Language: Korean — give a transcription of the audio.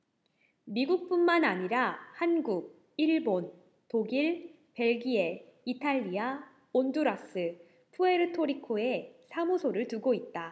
미국뿐만 아니라 한국 일본 독일 벨기에 이탈리아 온두라스 푸에르토리코에 사무소를 두고 있다